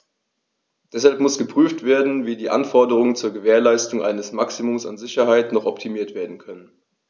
Deshalb muss geprüft werden, wie die Anforderungen zur Gewährleistung eines Maximums an Sicherheit noch optimiert werden können.